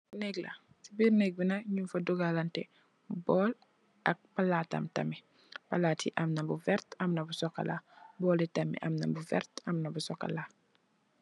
Nèeg la, ci biir nek bi nak nung fa dogalantè bool ak palaatam tamit. Palaat yi amna bu vert, Amna bu sokola. Bool yi tamit amna bu vert am na bu sokola.